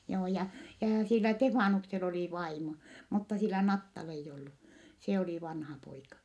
joo ja ja sillä Stefanuksella oli vaimo mutta sillä Nattalla ei ollut se oli vanhapoika